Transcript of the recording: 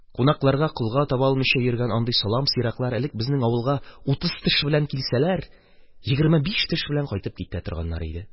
Кунакларга колга таба алмыйча йөргән андый салам сыйраклар элек безнең авылга утыз теш белән килсәләр, егерме биш теш белән кайтып китә торганнар иде.